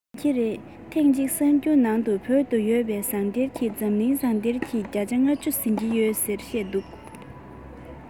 ཡིན གྱི རེད ཐེངས གཅིག གསར འགྱུར ནང དུ བོད དུ ཡོད པའི ཟངས གཏེར གྱིས འཛམ གླིང ཟངས གཏེར གྱི བརྒྱ ཆ ལྔ བཅུ ཟིན གྱི ཡོད ཟེར བཤད འདུག